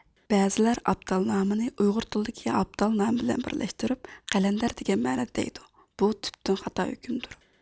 بەزىلەر ئابدال نامىنى ئۇيغۇر تىلىدىكى ھابدال نامى بىلەن بىرلەشتۈرۈپ قەلەندەر دېگەن مەنىدە دەيدۇ بۇ تۈپتىن خاتا ھۆكۈمدۇر